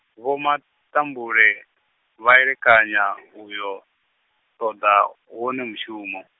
Vho Matambule, vha elekanya, uyo, ṱoḓa, wone mushumo.